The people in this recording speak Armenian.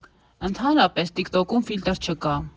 Ընդհանրապես, տիկ֊տոկում ֆիլտր չկա։